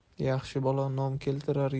yaxshi bola nom keltirar